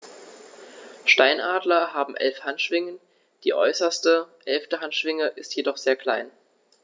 Steinadler haben 11 Handschwingen, die äußerste (11.) Handschwinge ist jedoch sehr klein.